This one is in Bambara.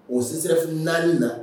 O sin sirafi naani na